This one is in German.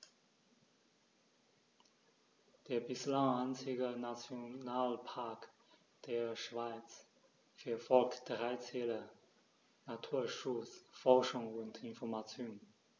Der bislang einzige Nationalpark der Schweiz verfolgt drei Ziele: Naturschutz, Forschung und Information.